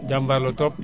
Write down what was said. jambaar la trop